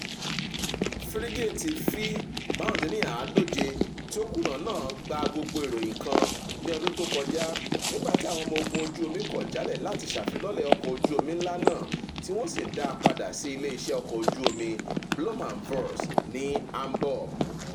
Fírígèètì F125 tí ó kùnà náà gba gogbo ìròyìn kan ní ọdún tó kọjá, nígbàtí Àwọn ọmọ ogun ojú omi kọ̀ jàlẹ̀ láti ṣafilọlẹ̀ ọkọ̀ ojú omi ńlá náà tí wọ́n sì dá a padà sí ìlé iṣẹ́ ọkọ̀ ojú omi Blohm & Voss ní Hamburb.